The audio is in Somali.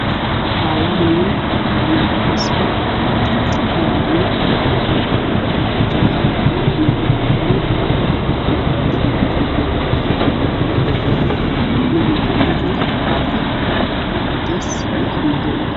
Laba wiil ayaa ii muuqato waxa ay wataan fanaanada guduud ayaa ka danbeeyo